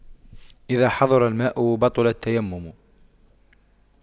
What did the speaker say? إذا حضر الماء بطل التيمم